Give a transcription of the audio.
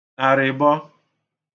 àrị̀bọ